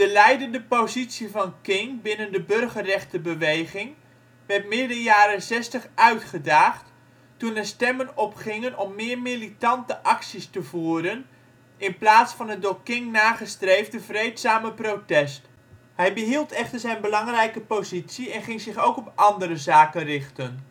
leidende positie van King binnen de burgerrechtenbeweging werd midden jaren 60 uitgedaagd, toen er stemmen opgingen om meer militante acties te voeren in plaats van het door King nagestreefde vreedzame protest. Hij behield echter zijn belangrijke positie en ging zich ook op andere zaken richten